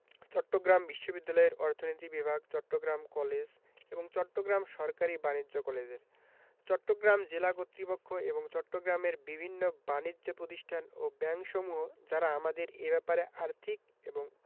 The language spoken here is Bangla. চট্টগ্রাম বিশ্ববিদ্যালয়ের অর্থনীতি বিভাগ চট্টগ্রাম কলেজ এবং চট্টগ্রাম সরকারি বাণিজ্য কলেজের চট্টগ্রাম জেলা কর্তৃপক্ষ এবং চট্টগ্রামের বিভিন্ন বানিজ্য প্রতিষ্ঠান ও ব্যাংকসমূহ যারা আমাদের এ ব্যাপারে আর্থিক এবং